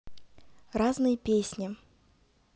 разные песни